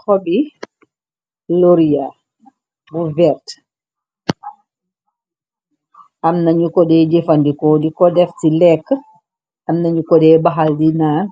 Xobi loria bu verte amna ñu ko dey jëfandikoo di ko def ci lekk amna ñu ko deey baxal di naan